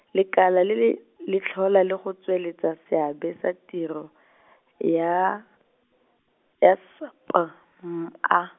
lekala le le, le tlhola le go tsweletsa seabe sa tiro , ya, S P M A.